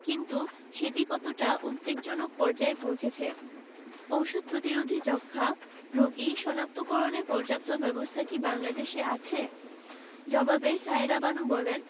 কিন্তু সেটি কতটা উদ্বেগজনক পর্যায়ে পৌঁছেছে ওষুধ প্রতিরোধী যক্ষ্মা রোগী শনাক্তকরণে পর্যাপ্ত ব্যবস্থা কি বাংলাদেশে আছে জবাবে সায়েরা বানু বলেন